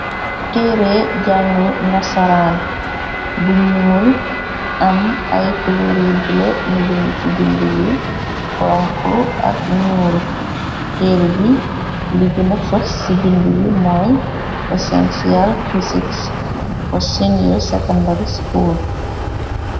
Tere jàng nasaraan bu ñyuul am aykuloryibla ñu bind ci bind yu konko ak ñyuul ter bi liggi na fos ci bind yi mooy essentiel pisik fosinie secondary school.